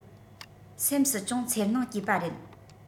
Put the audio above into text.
སེམས སུ ཅུང འཚེར སྣང སྐྱེ བ རེད